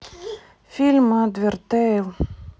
фильм андертейл